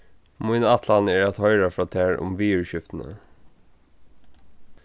mín ætlan er at hoyra frá tær um viðurskiftini